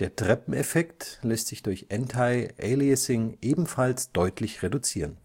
Treppeneffekt lässt sich durch Antialiasing ebenfalls deutlich reduzieren